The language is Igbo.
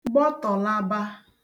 gbọtọ̀laba